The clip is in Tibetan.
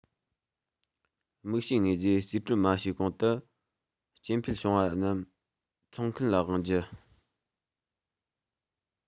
དམིགས བྱའི དངོས རྫས རྩིས སྤྲོད མ བྱས གོང དུ སྐྱེད འཕེལ བྱུང བ རྣམས འཚོང མཁན ལ དབང རྒྱུ